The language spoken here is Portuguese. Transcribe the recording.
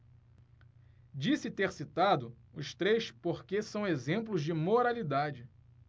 disse ter citado os três porque são exemplos de moralidade